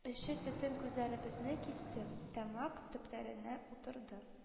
Фигыле аша бирү отышлырак, ә төзләмә (учреждение